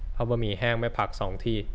เอาหมี่แห้งไม่ผักสองที่